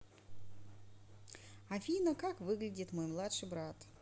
афина как выглядит мой младший брат